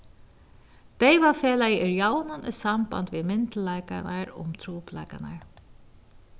deyvafelagið er javnan í samband við myndugleikarnar um trupulleikarnar